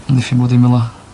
Amddiffyn bob dim fel 'a.